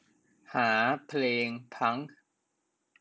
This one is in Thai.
หาเพลงพังค์